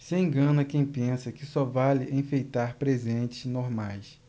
se engana quem pensa que só vale enfeitar presentes normais